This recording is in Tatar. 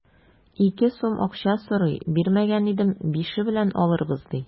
Ике сум акча сорый, бирмәгән идем, бише белән алырбыз, ди.